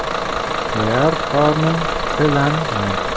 to'yar qorning tilanmay